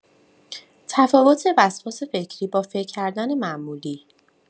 تفاوت وسواس فکری با فکر کردن معمولی